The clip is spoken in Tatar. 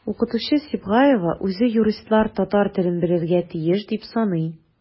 Укытучы Сибгаева үзе юристлар татар телен белергә тиеш дип саный.